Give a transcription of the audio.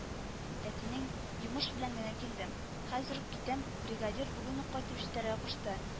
Әтинең, йомыш белән генә килдем, хәзер ук китәм, бригадир бүген үк кайтып җитәргә кушты